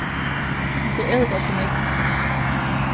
og so eta teir so nógv